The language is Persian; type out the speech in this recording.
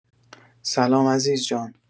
سلام عزیزجان